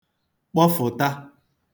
kpọfụ̀ta